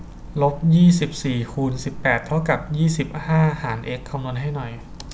ลบยี่สิบสี่คูณสิบแปดเท่ากับยี่สิบห้าหารเอ็กซ์คำนวณให้หน่อย